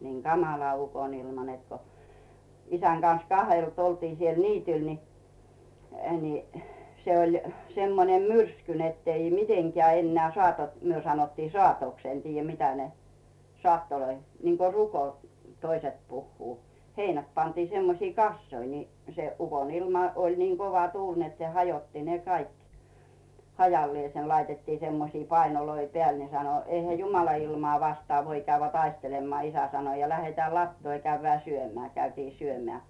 niin kamala ukonilma että kun isän kanssa kahdelta oltiin siellä niityllä niin niin se oli semmoinen myrsky että ei mitenkään enää saatot me sanottiin saatoksi en tiedä mitä ne saattoja niin kuin ruko - toiset puhuu heinät pantiin semmoisiin kasoihin niin se ukonilma oli niin kova tuuli että se hajotti ne kaikki hajalleen laitettiin semmoisia painoja päälle ne sanoi eihän jumalan ilmaa vastaan voi käydä taistelemaan isä sanoi ja lähdetään latoon ja käydään syömään käytiin syömään